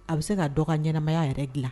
A bɛ se ka dɔgɔ ka ɲɛnaɛnɛmaya yɛrɛ dilan